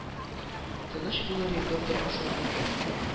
«тыныч булыр йокы, тормышымны